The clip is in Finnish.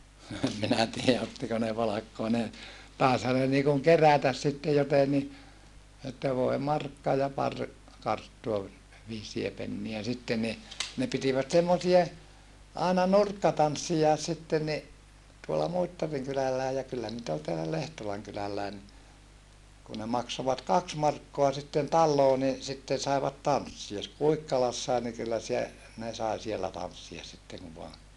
no en minä tiedä ottiko ne palkkaa ne taisihan ne niin kuin kerätä sitten jotenkin että voi markka ja pari karttua - viisiä pennejä sitten niin ne pitivät semmoisia aina nurkkatansseja sitten niin tuolla Muittarin kylälläkin ja kyllä niitä oli täällä Lehtolan kylälläkin niin kun ne maksoivat kaksi markkaa sitten taloon niin sitten saivat tanssia - Kuikkalassakin niin kyllä - ne sai siellä tanssia sitten kun vain